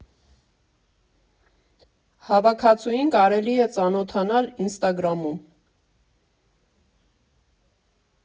Հավաքածուին կարելի է ծանոթանալ Ինստագրամում։